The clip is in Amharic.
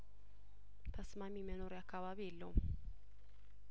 ተስማሚ የመኖሪያ አካባቢ የለውም